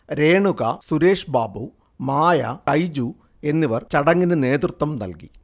രേണുക, സുരേഷ്ബാബു, മായ, ഷൈജു എന്നിവർ ചടങ്ങിന് നേതൃത്വം നൽകി